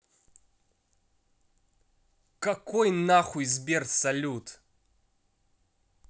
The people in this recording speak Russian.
какой нахуй сбер салют